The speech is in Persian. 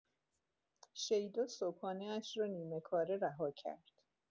شیدا صبحانه‌اش را نیمه‌کاره رها کرد.